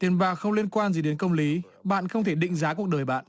tiền bạc không liên quan gì đến công lý bạn không thể định giá cuộc đời bạn